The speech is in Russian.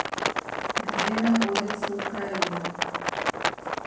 где находится украина